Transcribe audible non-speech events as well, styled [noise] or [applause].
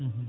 [hesitation] [hesitation]